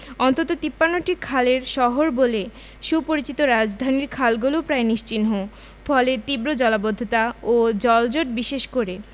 অন্তত ৫৩টি খালের শহর বলে সুপরিচিত রাজধানীর খালগুলোও প্রায় নিশ্চিহ্ন ফলে তীব্র জলাবদ্ধতা ও জলজট বিশেষ করে